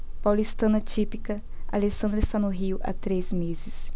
paulistana típica alessandra está no rio há três meses